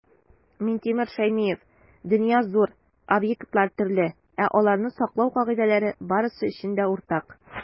Минтимер Шәймиев: "Дөнья - зур, объектлар - төрле, ә аларны саклау кагыйдәләре - барысы өчен дә уртак".